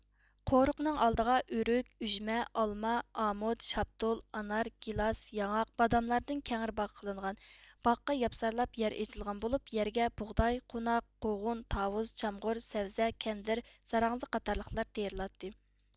قورۇقنىڭ ئالدىغا ئۆرۈك ئۈجمە ئالما ئامۇت شاپتۇل ئانار گىلاس ياڭاق باداملاردىن كەڭرى باغ قىلىنغان باغقا ياپسارلاپ يەر ئېچىلغان بولۇپ يەرگە بۇغداي قوناق قوغۇن تاۋۇز چامغۇر سەۋزە كەندىر زاراڭزا قاتارلىقلار تېرىلاتتى